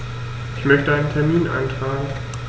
Ich möchte einen Termin eintragen.